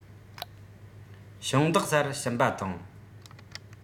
ཞིང བདག སར ཕྱིན པ དང